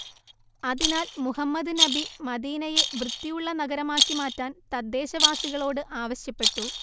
അതിനാൽ മുഹമ്മദ് നബി മദീനയെ വൃത്തിയുള്ള നഗരമാക്കി മാറ്റാൻ തദ്ദേശവാസികളോട് ആവശ്യപ്പെട്ടു